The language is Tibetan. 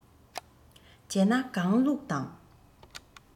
བྱས ན གང བླུགས དང